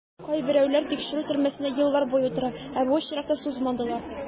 Кайберәүләр тикшерү төрмәсендә еллар буе утыра, ә бу очракта сузмадылар.